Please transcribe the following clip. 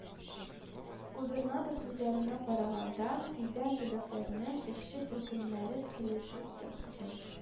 Губернатор сүзләренә караганда, тиздән төбәкләрнең эшче төркемнәре килешү текстын